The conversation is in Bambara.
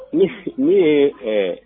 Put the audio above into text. Ne ye ɛɛ